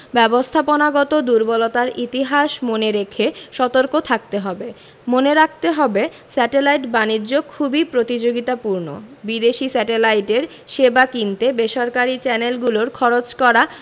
ব্যবস্থাপনাগত দূর্বলতার ইতিহাস মনে রেখে সতর্ক থাকতে হবে মনে রাখতে হবে স্যাটেলাইট বাণিজ্য খুবই প্রতিযোগিতাপূর্ণ বিদেশি স্যাটেলাইটের সেবা কিনতে বেসরকারি চ্যানেলগুলোর খরচ করা